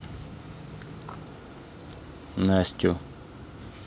настю